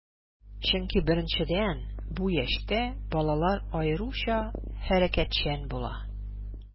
Чөнки, беренчедән, бу яшьтә балалар аеруча хәрәкәтчән була.